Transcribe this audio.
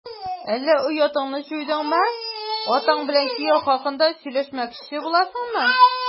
Әллә оятыңны җуйдыңмы, атаң белән кияү хакында сөйләшмәкче буласыңмы? ..